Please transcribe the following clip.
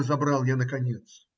- разобрал я наконец.